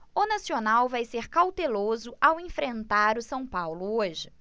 o nacional vai ser cauteloso ao enfrentar o são paulo hoje